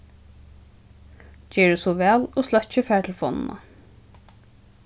gerið so væl og sløkkið fartelefonina